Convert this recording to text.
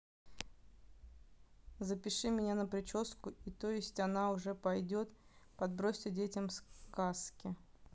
запиши меня на прическу и то есть она уже пойдет подбросьте детям сказки